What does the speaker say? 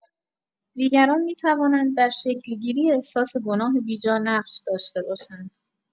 دیگران می‌توانند در شکل‌گیری احساس گناه بی‌جا نقش داشته باشند.